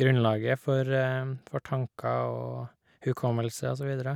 grunnlaget for for tanker og hukommelse og så videre.